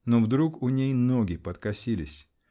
Но вдруг у ней ноги подкосились.